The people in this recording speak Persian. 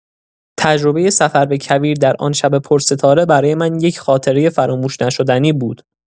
تجربۀ سفر به کویر در آن شب پرستاره برای من یک خاطرۀ فراموش‌نشدنی بود.